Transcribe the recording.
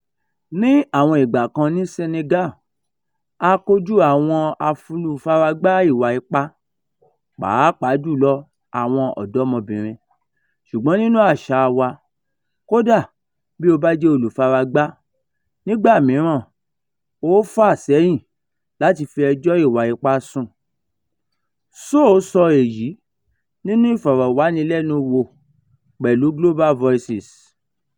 Ní àwọn ìgbà kan ní Senegal, a kojú àwọn olùfaragbà ìwà ipá, pàápàá jùlọ àwọn ọ̀dọ́mọbìnrin, ṣùgbọ́n nínú àṣà wá, kódà bí o bá jẹ́ olùfaragbà, nígbà mìíràn [o] fà sẹ́yìn láti fi ẹjọ́ ìwà ipá sùn, "Sow sọ èyí nínú Ìfọ̀rọ̀wánilẹ́nuwò pẹ̀lú Global Voices.